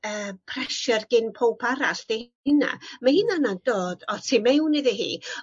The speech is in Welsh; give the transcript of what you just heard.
yy pressure gin powb arall 'di hynna. Ma' hynna na'n dod o tu mewn iddi hi.